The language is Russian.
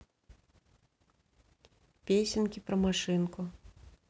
песенки про машинку